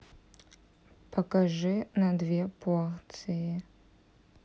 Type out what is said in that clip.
покажи на две порции